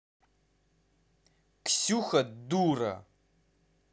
ксюха дура